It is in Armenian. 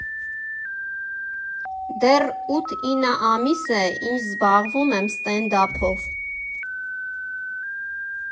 Դեռ ութ֊ինը ամիս է, ինչ զբաղվում եմ ստենդափով։